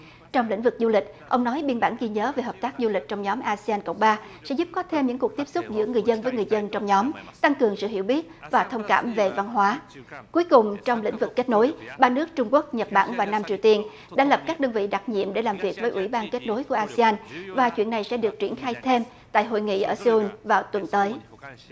trong lĩnh vực du lịch ông nói biên bản ghi nhớ về hợp tác du lịch trong nhóm a si an cộng ba sẽ giúp có thêm những cuộc tiếp xúc giữa người dân với người dân trong nhóm tăng cường sự hiểu biết và thông cảm về văn hóa cuối cùng trong lĩnh vực kết nối ba nước trung quốc nhật bản và nam triều tiên đã lập các đơn vị đặc nhiệm để làm việc với ủy ban kết nối của a si an và chuyện này sẽ được triển khai thêm tại hội nghị ở xê un vào tuần tới